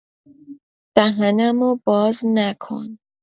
دهنمو باز نکن!